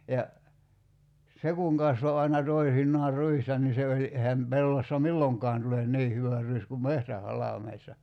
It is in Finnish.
ja se kun kasvoi aina toisinaan ruista niin se oli eihän pellossa milloinkaan tule niin hyvä ruis kuin metsähalmeissa